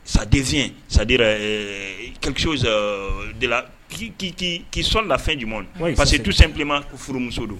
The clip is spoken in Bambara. Sadc sadira ke de kiisɔn lafɛn jumɛn parcesi dutima furumuso don